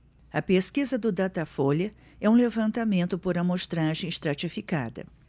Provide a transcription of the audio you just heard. a pesquisa do datafolha é um levantamento por amostragem estratificada